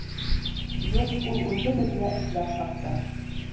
Юк, ул үзе безне эзләп тапты